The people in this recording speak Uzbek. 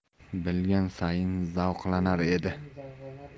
bilgan sayin zavqlanar edi